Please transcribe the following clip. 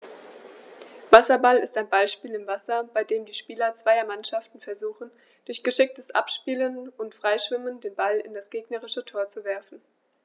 Wasserball ist ein Ballspiel im Wasser, bei dem die Spieler zweier Mannschaften versuchen, durch geschicktes Abspielen und Freischwimmen den Ball in das gegnerische Tor zu werfen.